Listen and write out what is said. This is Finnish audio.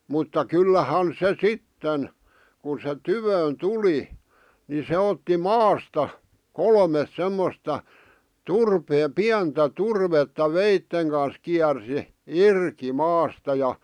mutta kyllähän se sitten kun se tykö tuli niin se otti maasta kolme semmoista - pientä turvetta veitsen kanssa kiersi irti maasta ja